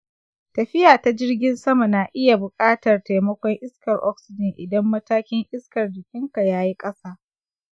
tafiya ta jirgin sama na iya buƙatar taimakon iskar oxygen idan matakin iskar jikinka ya yi ƙasa.